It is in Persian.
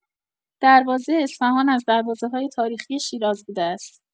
دروازه اصفهان از دروازه‌های تاریخی شیراز بوده است.